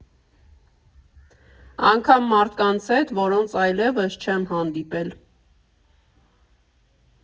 Անգամ մարդկանց հետ, որոնց այլևս չեմ հանդիպել։